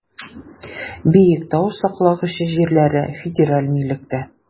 Биектау саклагычы җирләре федераль милектә.